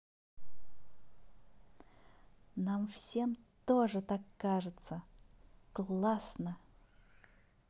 нам всем тоже так кажется классно